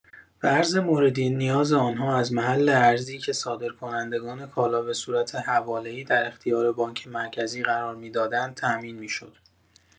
و ارز مورد نیاز آنها از محل ارزی که صادرکنندگان کالا بصورت حواله‌ای در اختیار بانک مرکزی قرار می‌دادند، تامین می‌شد.